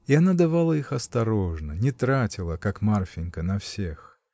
И она давала их осторожно, не тратила, как Марфинька, на всех.